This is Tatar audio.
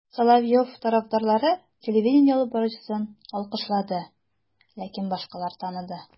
Соловьев тарафдарлары телевидение алып баручысын алкышлады, ләкин башкалар таныды: